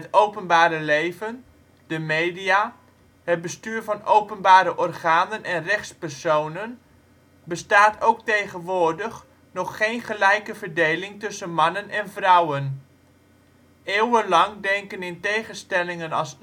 openbare leven, de media, het bestuur van openbare organen en rechtspersonen bestaat ook tegenwoordig nog geen gelijke verdeling tussen mannen en vrouwen. Eeuwenlang denken in tegenstellingen als